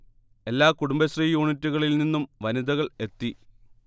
എല്ലാ കുടുംബശ്രീ യൂണിറ്റുകളിൽ നിന്നും വനിതകൾ എത്തി